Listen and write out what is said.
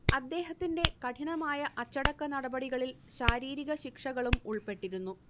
അദ്ദേഹത്തിന്റെ കഠിനമായ അച്ചടക്കനടപടികളിൽ ശാരീരിക ശിക്ഷകളും ഉൾപ്പെട്ടിരുന്നു